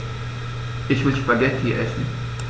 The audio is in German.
Ich will Spaghetti essen.